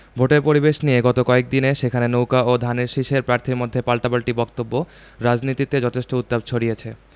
ভোটের পরিবেশ নিয়ে গত কয়েক দিনে সেখানে নৌকা ও ধানের শীষের প্রার্থীর মধ্যে পাল্টাপাল্টি বক্তব্য রাজনীতিতে যথেষ্ট উত্তাপ ছড়িয়েছে